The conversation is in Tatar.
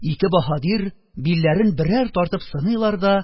Ике баһадир, билләрен берәр тартып сыныйлар да,